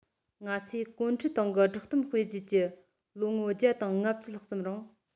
ང ཚོས གུང ཁྲན ཏང གི བསྒྲགས གཏམ སྤེལ རྗེས ཀྱི ལོ ངོ བརྒྱ དང ལྔ བཅུ ལྷག ཙམ རིང